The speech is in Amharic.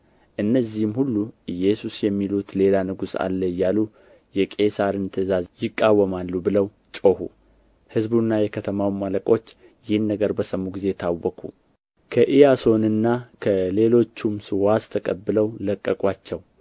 እነዚህም ሁሉ ኢየሱስ የሚሉት ሌላ ንጉሥ አለ እያሉ የቄሣርን ትእዛዝ ይቃወማሉ ብለው ጮኹ ሕዝቡና የከተማውም አለቆች ይህን ነገር በሰሙ ጊዜ ታወኩ ከኢያሶንና ከሌሎቹም ዋስ ተቀብለው ለቀቁአቸው